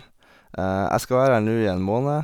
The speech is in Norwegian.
Jeg skal være her nå i en måned.